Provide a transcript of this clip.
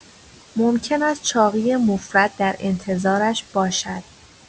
ممکن است چاقی مفرط در انتظارش باشد.